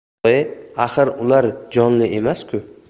yo'g' e axir ular jonli emas ku